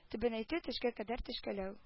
Түбәнәйтү төшкә кадәр төшкәләү